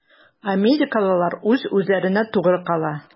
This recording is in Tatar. Америкалылар үз-үзләренә тугры кала.